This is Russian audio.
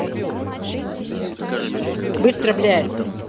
быстро блядь